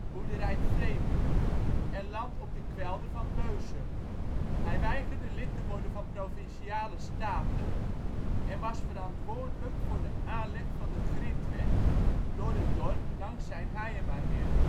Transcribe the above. boerderij Freeburg en land op de kwelder van Beusum. Hij weigerde lid te worden van Provinciale Staten en was verantwoordelijk voor de aanleg van de grindweg door het dorp (langs zijn Hayemaheerd